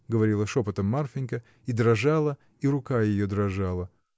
— говорила шепотом Марфинька и дрожала, и рука ее дрожала.